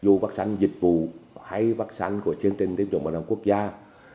dù vắc xăn dịch vụ hay vắc xăn của chương trình tiêm chủng mở rộng quốc gia